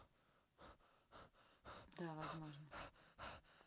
да возможно